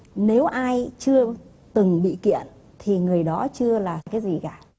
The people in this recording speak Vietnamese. nếu ai chưa từng bị kiện thì người đó chưa là cái gì cả